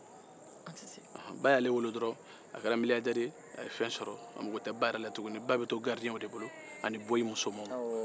ba y'ale wolo dɔrɔn a kɛra miliyaridɛri ye a mago foyi tɛ ba la o bɛ to bɔyi cɛman ni musoman bolo